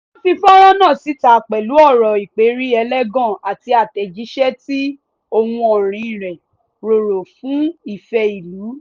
Wọ́n fi fọ́nràn náà síta pẹ̀lú ọ̀rọ̀ ìpèrí ẹlẹ́gàn àti àtẹ̀jíṣẹ́ tí ohùn orin rẹ̀ rorò fún ìfẹ́ ìlú.